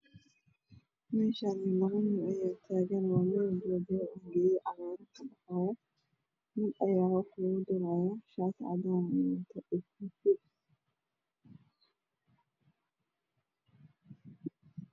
Meeshaan labo nin ayaa taagan waa meel duurduur ah oo geedo cagaaran ayaa kabaxaayo. Nin ayaa wax lugu duraa shaati cadaan ah ayuu wataa.